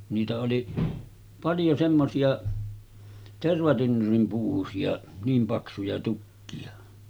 niitä oli paljon semmoisia tervatynnyrin paksuisia niin paksuja tukkeja